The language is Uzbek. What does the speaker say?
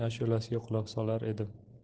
ashulasiga quloq solar edim